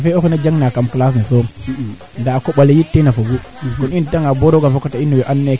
parce que a pifiina le ten moƴngo mat Djiby o seenda nga maana suqi